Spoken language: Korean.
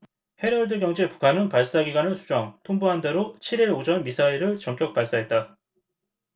헤럴드경제 북한은 발사 기간을 수정 통보한대로 칠 일 오전 미사일을 전격 발사했다